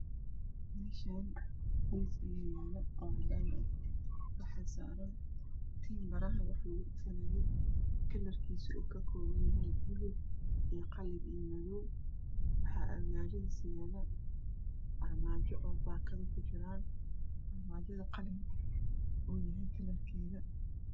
Meshan waxaa yala mis waxaa saran timbaraha wax lagu timbareyo kalrkisu uu ka koban yahay bulug iyo madow waxaa ag tala armajo bakado ku jiran armajada waa qali